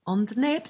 Ond neb